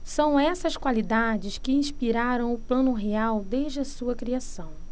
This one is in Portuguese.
são essas qualidades que inspiraram o plano real desde a sua criação